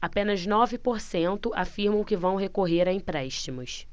apenas nove por cento afirmam que vão recorrer a empréstimos